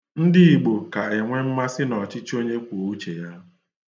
Ndị Igbo ka enwe mmasị n'ọchịchịonyekwùouchèya.